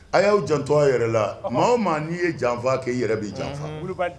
A y'aw jantɔ a yɛrɛ la maa maa n'i ye janfa kɛ yɛrɛ bɛ janfa